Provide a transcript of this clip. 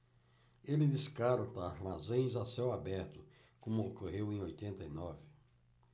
ele descarta armazéns a céu aberto como ocorreu em oitenta e nove